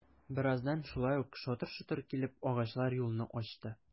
Бераздан шулай ук шатыр-шотыр килеп, агачлар юлны ачты...